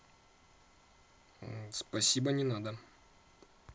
спасибо не надо